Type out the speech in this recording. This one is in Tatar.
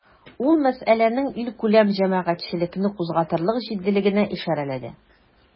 Ул мәсьәләнең илкүләм җәмәгатьчелекне кузгатырлык җитдилегенә ишарәләде.